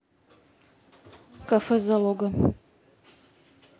кафе залога